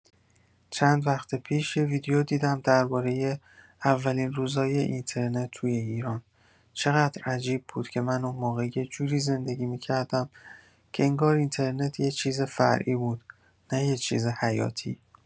چند وقت پیش یه ویدیو دیدم درباره اولین روزای اینترنت توی ایران، چقدر عجیب بود که من اون موقع یه جوری زندگی می‌کردم که انگار اینترنت یه چیز فرعی بود، نه یه چیز حیاتی.